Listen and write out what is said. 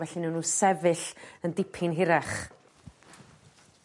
felly newn n'w sefyll yn dipyn hirach.